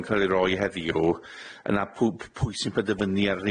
yn ca'l ei roi heddiw yna pw- p- pwy sy'n penderfynu ar